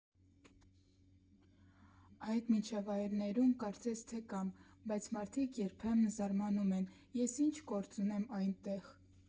Այդ միջավայրերում կարծես թե կամ, բայց մարդիկ երբեմն զարմանում են՝ ես ինչ գործ ունեմ այդտեղ։